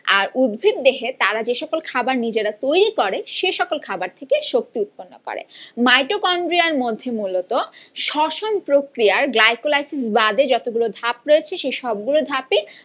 আর উদ্ভিদ দেহে তারা যে সকল খাবার তৈরি করে সে সকল খাবার থেকে শক্তি উৎপন্ন করে মাইটোকনড্রিয়া মধ্যে মূলত শ্বসন প্রক্রিয়ার গ্লাইকোলাইসিস বাদে যতগুলো ধাপ রয়েছে সে সবগুলো ধাপ ই